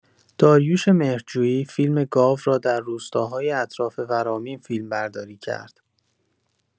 داریوش مهرجویی فیلم گاو را در روستاهای اطراف ورامین فیلمبرداری کرد.